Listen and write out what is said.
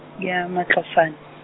ya Matlosane.